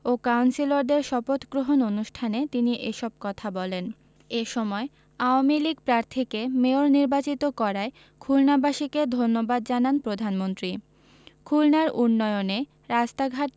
ও কাউন্সিলরদের শপথগ্রহণ অনুষ্ঠানে তিনি এসব কথা বলেন এ সময় আওয়ামী লীগ প্রার্থীকে মেয়র নির্বাচিত করায় খুলনাবাসীকে ধন্যবাদ জানান প্রধানমন্ত্রী খুলনার উন্নয়নে রাস্তাঘাট